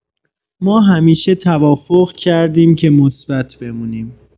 ما همیشه توافق کردیم که مثبت بمونیم.